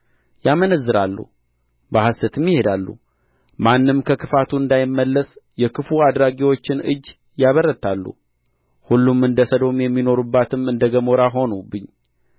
ያመነዝራሉ በሐሰትም ይሄዳሉ ማንም ከክፋቱ እንዳይመለስ የክፉ አድራጊዎችን እጅ ያበረታሉ ሁሉም እንደ ሰዶም የሚኖሩባትም እንደ ገሞራ ሆኑብኝ